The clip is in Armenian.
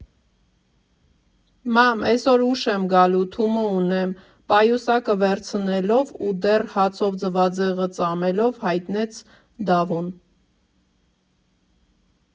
Մամ, էօսր ուշ եմ գալու, Թումո ունեմ, ֊ պայուսակը վերցնելով ու դեռ հացով ձվածեղը ծամելով հայտնեց Դավոն։